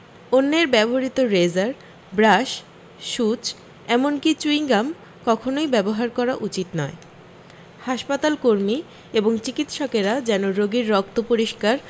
অন্যের ব্যবহৃত razor brush সুচ এমনকি চুইংগাম কখনি ব্যবহার করা উচিত নয় হাসপাতালকর্মী এবং চিকিৎসকেরা যেন রোগীর রক্ত পরিষ্কার